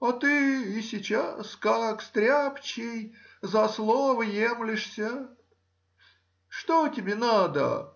а и ты сейчас, как стряпчий, за слово емлешься! Что тебе надо?